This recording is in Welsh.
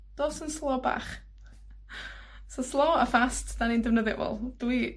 Dos yn slo bach, so slo a fast, 'dan ni'n defnyddio, wel, dwi